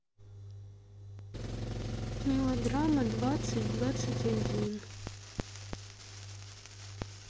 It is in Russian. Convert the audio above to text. мелодрама двадцать двадцать один